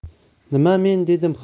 nima men dedim